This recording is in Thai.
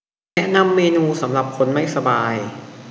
แนะนำเมนูสำหรับคนไม่สบาย